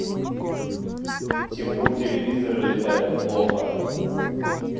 тимур телевизоры летает плохо